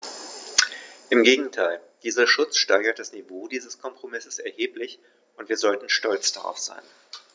Im Gegenteil: Dieser Schutz steigert das Niveau dieses Kompromisses erheblich, und wir sollten stolz darauf sein.